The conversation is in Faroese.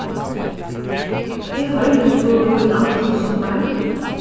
eg hoyri at tú hevur verið í danmark í summar